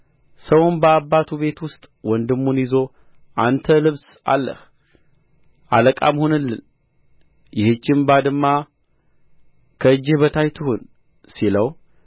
ሰውም በአባቱ ቤት ውስጥ ወንድሙን ይዞ አንተ ልብስ አለህ አለቃም ሁንልን ይህችም ባድማ ከእጅህ በታች ትሁን ሲለው